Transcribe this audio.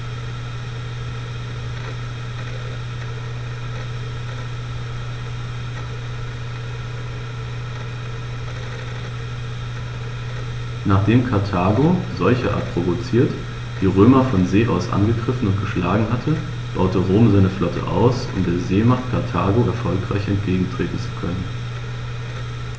Nachdem Karthago, solcherart provoziert, die Römer von See aus angegriffen und geschlagen hatte, baute Rom seine Flotte aus, um der Seemacht Karthago erfolgreich entgegentreten zu können.